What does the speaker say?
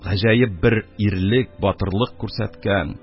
Гаҗәеп бер ирлек, батырлык күрсәткән,